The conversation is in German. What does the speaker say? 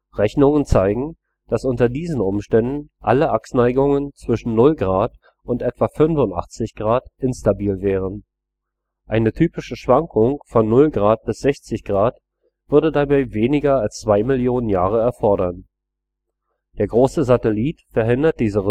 Rechnungen zeigen, dass unter diesen Umständen alle Achsneigungen zwischen 0° und etwa 85° instabil wären. Eine typische Schwankung von 0° bis 60° würde dabei weniger als 2 Millionen Jahre erfordern. Der große Satellit verhindert diese